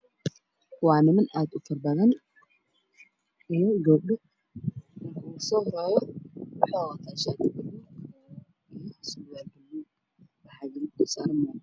Waa niman aad utira badan kan ugu horeeyo wuxuu wataa shaati buluug iyo surwaal buluug